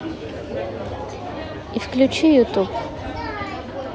и включи ютуб